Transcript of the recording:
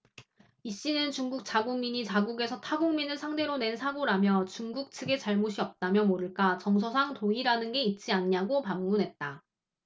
이씨는 중국 자국민이 자국에서 타국민을 상대로 낸 사고라며 중국 측의 잘못이 없다면 모를까 정서상 도의라는 게 있지 않냐고 반문했다